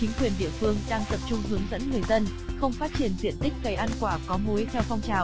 chính quyền địa phương đang tập trung hướng dẫn người dân không phát triển diện tích cây ăn quả có múi theo phong trào